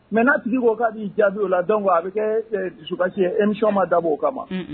Mais n'a tigi ko k'a b'i jaabi o la donc a bɛ kɛ dusukasi ye émission ma dabɔ o kama